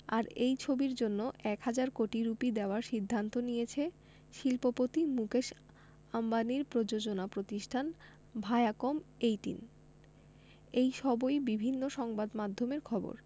আর এই ছবির জন্য এক হাজার কোটি রুপি দেওয়ার সিদ্ধান্ত নিয়েছে শিল্পপতি মুকেশ আম্বানির প্রযোজনা প্রতিষ্ঠান ভায়াকম এইটিন এই সবই বিভিন্ন সংবাদমাধ্যমের খবর